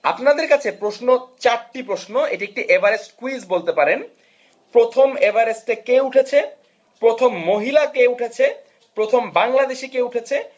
আপনাদের কাছে প্রশ্ন 4 টি প্রশ্ন এটি একটি এভারেস্ট ক্যুইজ বলতে পারেন প্রথম এভারেস্ট কে উঠেছে প্রথম মহিলা কে উঠেছে প্রথম বাংলাদেশি কে উঠেছে